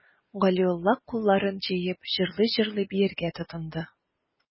Галиулла, кулларын җәеп, җырлый-җырлый биергә тотынды.